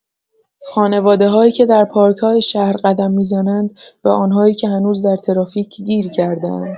خانواده‌هایی که در پارک‌های شهر قدم می‌زنند، و آن‌هایی که هنوز در ترافیک گیر کرده‌اند.